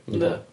Yndw.